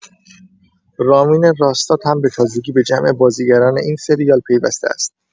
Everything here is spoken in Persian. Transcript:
رامین راستاد هم‌به تازگی به جمع بازیگران این سریال پیوسته است.